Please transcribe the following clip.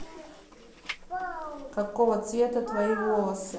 какого цвета твои волосы